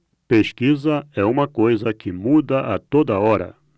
pesquisa é uma coisa que muda a toda hora